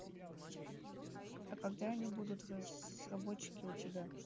а когда они будут разработчики у тебя